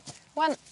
Ŵan